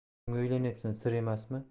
kimga uylanyapsan sir emasmi